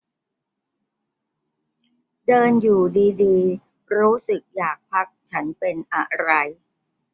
เดินอยู่ดีดีรู้สึกอยากพักฉันเป็นอะไร